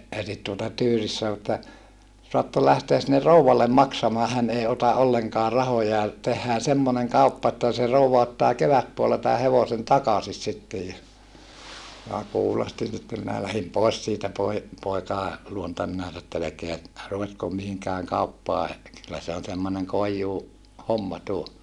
eli tuota tyyris sanoi että saatte lähteä sinne rouvalle maksamaan hän ei ota ollenkaan rahoja tehdään semmoinen kauppa että se rouva ottaa kevätpuolella tämän hevosen takaisin sitten ja minä kuulostin sitten minä lähdin pois siitä - poikien luota minä että älkää ruvetko mihinkään kauppaan kyllä se on semmoinen - koijuuhomma tuo